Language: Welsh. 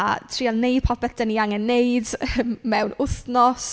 A trial wneud popeth dan ni angen wneud mewn wythnos.